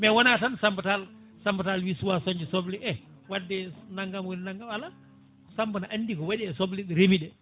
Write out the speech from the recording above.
mais wona tan Samba Tall Samba Tall wi suwa coñde soble he wadde naggam woni naggam ala Samba ne andi ko waɗi e soble ɗe reemi ɗe